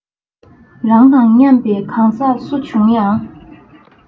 རང དང མཉམ པའི གང ཟག སུ བྱུང ཡང